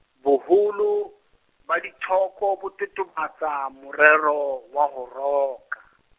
boholo, ba dithoko bo totobatsa, morero, wa ho roka.